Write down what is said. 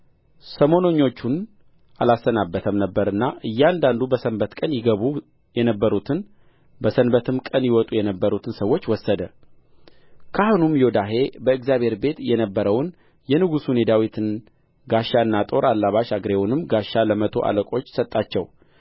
ሰሞነኞቹን አላሰናበተም ነበርና እያንዳንዱ በሰንበት ቀን ይገቡ የነበሩትን በሰንበትም ቀን ይወጡ የነበሩትን ሰዎች ወሰደ ካህኑም ዮዳሄ በእግዚአብሔር ቤት የነበረውን የንጉሡን የዳዊትን ጋሻና ጦር አላባሽ አግሬውንም ጋሻ ለመቶ አለቆች ሰጣቸው